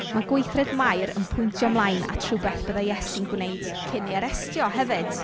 Mae gweithred Mair yn pwyntio ymlaen at rhywbeth byddai Iesu'n gwneud cyn ei arestio hefyd.